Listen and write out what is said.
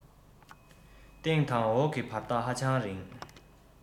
སྟེང དང འོག གི བར ཐག ཧ ཅང རིང